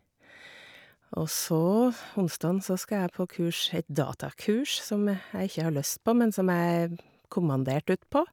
Og så, onsdagen så skal jeg på kurs, et datakurs som jeg ikke har lyst på, men som jeg er kommandert ut på.